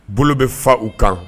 Bolo bɛ fa u kan